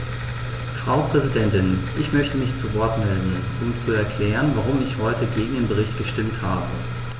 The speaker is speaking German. Frau Präsidentin, ich möchte mich zu Wort melden, um zu erklären, warum ich heute gegen den Bericht gestimmt habe.